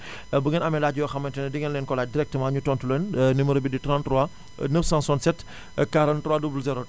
bu ngeen amee laaj yoo xamante ne di ngeen leen ko laaj directement ñu tontu leen numéro bi di 33 967 43 00